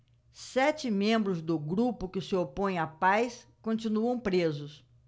sete membros do grupo que se opõe à paz continuam presos